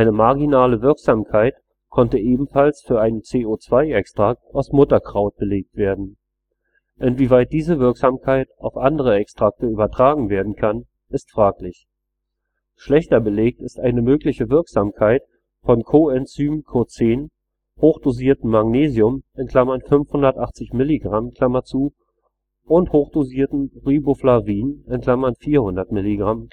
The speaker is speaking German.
marginale Wirksamkeit konnte ebenfalls für einen CO2-Extrakt aus Mutterkraut belegt werden. Inwieweit diese Wirksamkeit auf andere Extrakte übertragen werden kann, ist fraglich. Schlechter belegt ist eine mögliche Wirksamkeit von Coenzym Q10, hochdosiertem Magnesium (580 mg) und hochdosiertem Riboflavin (400 mg